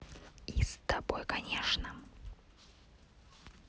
is тобой конечно